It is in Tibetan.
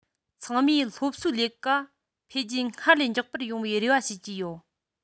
ཚང མས སློབ གསོའི ལས ཀ འཕེལ རྒྱས སྔར ལས མགྱོགས པར ཡོང བའི རེ བ བྱེད ཀྱི ཡོད